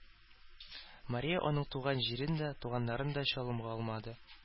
Мария аның туган җирен дә, туганнарын да чалымга алмады.